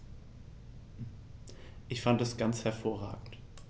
Ich fand das ganz hervorragend.